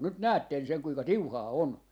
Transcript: nyt näette sen kuinka tiuhaa on